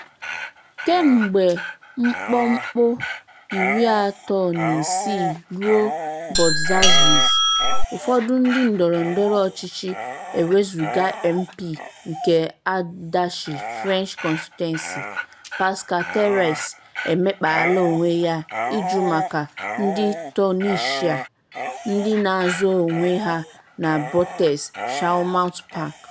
kemgbe mkpopu 36 rue Botzaris, ụfọdụ ndị ndọrọndọrọ ọchịchị, ewezuga MP nkeArdèche French Constituency, Pascal Terrasse – emekpala onwe ya ịjụ maka ndị Tunisia ndị na-azọ onwe ha na Buttes Chaumont Park.